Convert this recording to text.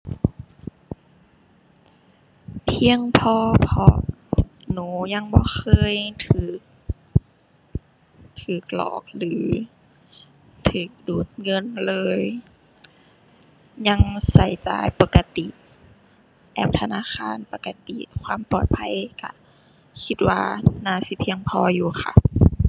เพียงพอ เพราะหนูยังบ่เคยถูก ถูกหลอก หรือถูกดูดเงินเลย ยังถูกจ่ายปกติ แอปธนาคารปกติ ความปลอดภัยถูกคิดว่าน่าสิเพียงพออยู่ค่ะ